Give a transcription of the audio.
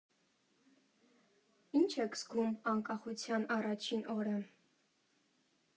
Ի՞նչ եք զգում անկախության առաջին օրը։